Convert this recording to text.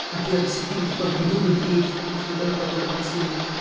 A 'di o- ts- dyn- wel, 'dyn nhw'm yn drist, ma' nhw jyst yn gweld o fel rywbeth sy'n...